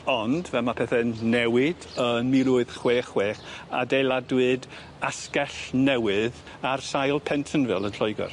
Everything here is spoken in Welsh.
Ond fel ma' pethe'n newid yn mil wyth chwech chwech adeiladwyd asgell newydd ar sail Pentonville yn Lloegyr.